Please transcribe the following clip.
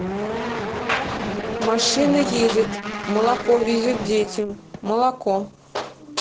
машина едет молоко везет детям молоко